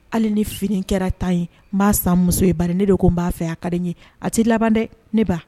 Hali ni fini kɛra tan ye, n b'a san n muso ye bari ne de ko n b'a fɛ. A ka di n ye. A tɛ laban dɛ, ne ba.